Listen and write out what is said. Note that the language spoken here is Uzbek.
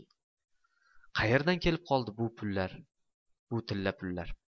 qaerdan kelib qoldi bu tilla pullar